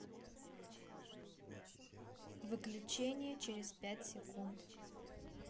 выключение через пять секунд